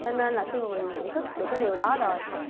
cho nên là khi mà mình nhận thức được cái điều đó rồi